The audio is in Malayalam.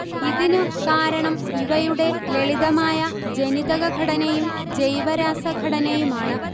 ഇതിനു കാരണം ഇവയുടെ ലളിതമായ ജനിതക ഘടനയും ജൈവരാസഘടനയുമാണ്